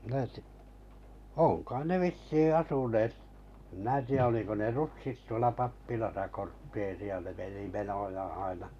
minä - on kai ne vissiin asuneet en minä tiedä oliko ne rutsit tuolla pappilassa kortteeria ne meni menojaan aina